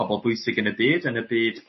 pobol bwysig yn y byd yn y byd